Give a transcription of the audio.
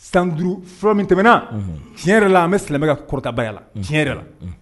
Sanuru fura min tɛmɛna tiɲɛ yɛrɛ la an bɛ silamɛ ka kɔrɔtaba la tiɲɛ yɛrɛ la